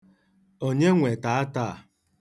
Onye nwe taata a?